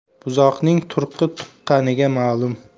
buzoqning turqi tuqqaniga ma'lum